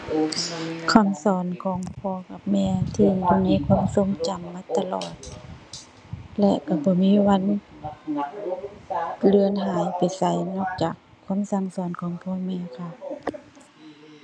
คำสอนของพ่อกับแม่ที่อยู่ในความทรงจำมาตลอด และก็บ่มีวันเลือนหายไปไสนอกจากคำสั่งสอนของพ่อแม่ค่ะ